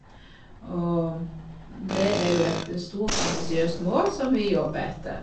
Og det er jo et stort, ambisiøst mål som vi jobber etter.